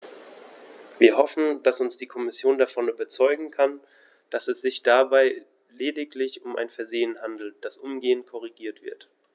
Wir hoffen, dass uns die Kommission davon überzeugen kann, dass es sich dabei lediglich um ein Versehen handelt, das umgehend korrigiert wird.